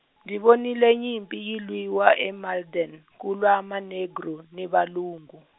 ndzi vonile nyimpi yi lwiwa e- Malden ku lwa manegro ni valungu.